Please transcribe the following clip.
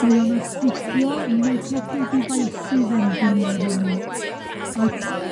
Mae o'n astudio Medical Devices Engineering at